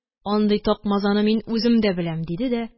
Андый такмазаны мин үзем дә беләм, – диде дә